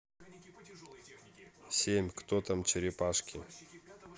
семь кто там черепашки